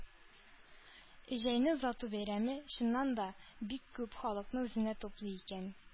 Җәйне озату бәйрәме, чыннан да, бик күп халыкны үзенә туплый икән.